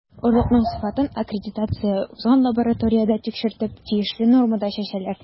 Орлыкның сыйфатын аккредитация узган лабораториядә тикшертеп, тиешле нормада чәчәләр.